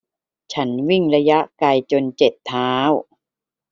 ฉันวิ่งระยะไกลจนเจ็บเท้า